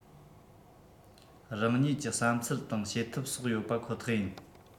རང ཉིད ཀྱི བསམ ཚུལ དང བྱེད ཐབས སོགས ཡོད པ ཁོ ཐག ཡིན